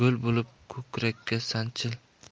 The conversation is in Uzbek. gul bo'lib ko'krakka sanchil